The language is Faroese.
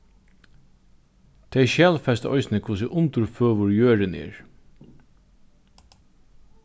tey skjalfesta eisini hvussu undurføgur jørðin er